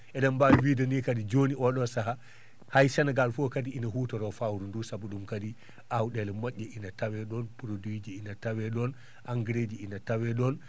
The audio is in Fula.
e?en mbawi wide ni kadi joni o?o sahaa hay Sénégal foof kadi ina hutoro fawru ndu sabu ?um kadi aw?ele mo??e ina tawe?on produit ji ina tawe?on engrais ina tawe?on